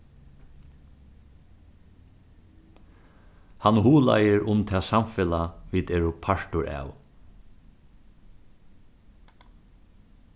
hann hugleiðir um tað samfelag vit eru partur av